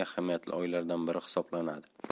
eng ahamiyatli oylardan biri hisoblanadi